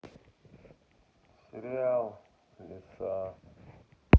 сериал лиса